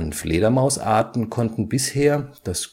Fledermausarten konnten bisher das